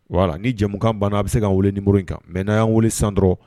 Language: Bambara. Wala ni jamumukan banna a bɛ se ka wele ni muruuru in kan nna yan wuli san dɔrɔn